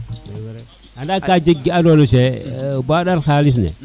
c' est vrai anda ka jeg ke andona cheikh ɓadal xalis ne